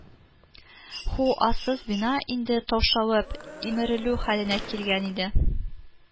Ху асыз бина инде таушалып, имерелү хәленә килгән иде